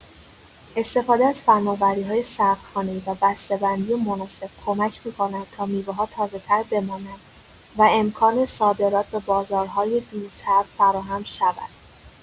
استفاده از فناوری‌های سردخانه‌ای و بسته‌بندی مناسب کمک می‌کند تا میوه‌ها تازه‌تر بمانند و امکان صادرات به بازارهای دورتر فراهم شود.